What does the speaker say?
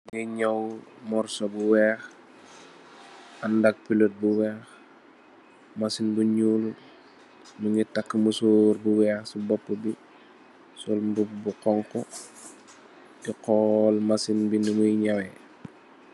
Mi naaw morso bu weex andax polot bu weex machine bu nuul mongi taka musurr bu weex si mbopabi sol mbubu bu xonxu de xol machine bi noo moi naywe.